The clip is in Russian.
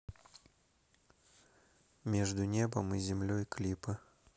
между небом и землей клипы